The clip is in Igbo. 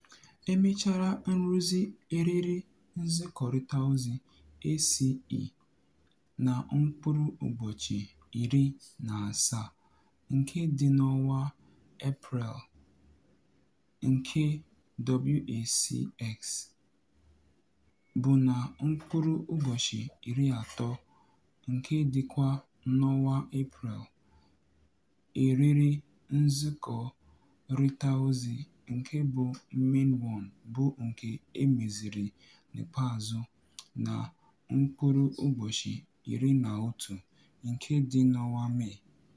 Emechara nrụzi eriri nzikọrịtaozi ACE na mkpụrụ ụbọchị iri na asaa nke dị n'ọnwa Eprel, nke WACS bụ na mkpụrụ ụbọchị iri atọ nke dịkwa n'ọnwa Eprel, eriri nzikọrịtaozi nke bụ MainOne bụ nke e meziri n'ikpeazụ na mkpụrụ ụbọchị iri na otu nke dị n'ọnwa Mee.